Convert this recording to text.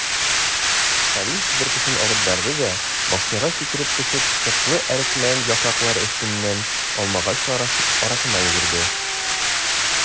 Хәлим, себеркесен атып бәрде дә, бакчага сикереп төшеп, чыклы әрекмән яфраклары өстеннән алмагачлар арасына йөгерде.